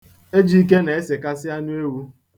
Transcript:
Ejike na-esekasị anụ ewu.